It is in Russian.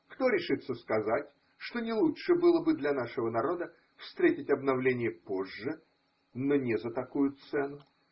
Кто решится сказать, что не лучше было бы для нашего народа встретить обновление позже, но не за такую цену?